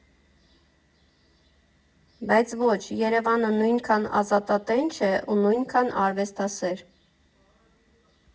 Բայց ոչ, Երևանը նույնքան ազաատատենչ է ու նույնքան արվեստասեր։